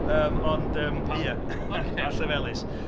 Yym ond yym ia... a Llefelys.